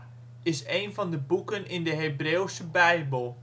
van de boeken in de Hebreeuwse Bijbel